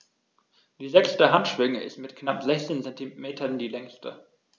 Die sechste Handschwinge ist mit knapp 60 cm die längste.